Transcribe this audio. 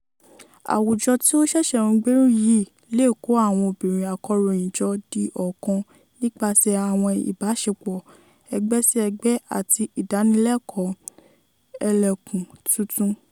Àwùjọ tí ó ṣẹ̀ṣẹ̀ ń gbérí yìí lè kó àwọn obìnrin akọ̀ròyìn jọ di ọ̀kan nípasẹ̀ àwọn ìbáṣepọ̀ ẹgbẹ́-sí-ẹgbẹ́ àti ìdánilẹ́kọ̀ọ́ ẹlẹ́kùn tuntun.